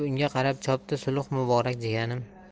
unga qarab chopdi sulh muborak jiyanim